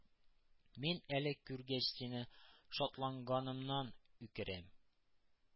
Мин әле, күргәч сине, шатланганымнан үкерәм.